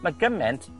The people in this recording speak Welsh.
ma' gyment